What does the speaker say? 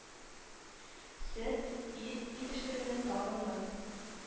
Сөт, ит итештерүне тагын да